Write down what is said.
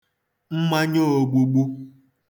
mmanya ōgbūgbū